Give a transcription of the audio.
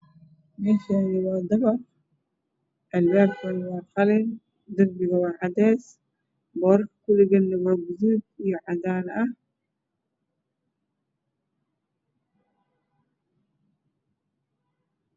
Meeshaan waa dabaq albaabkuna waa qalin darbigu waa cadeys boorarka kudhagan waa gaduud iyo cadaan.